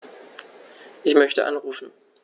Ich möchte anrufen.